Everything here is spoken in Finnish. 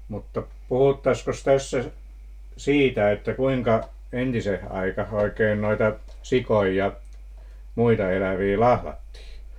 mutta puhuttaisiinkos tässä siitä että kuinka entiseen aikaan oikein noita sikoja ja muita eläviä lahdattiin